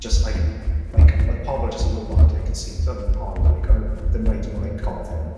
jyst like like odd pobol jyst yn gwbod I can see so o'n i yn hoyw like oedd dd- ddim raid i nw like gofyn.